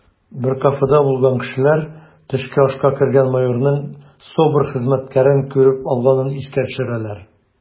Бер кафеда булган кешеләр төшке ашка кергән майорның СОБР хезмәткәрен күреп алганын искә төшерәләр: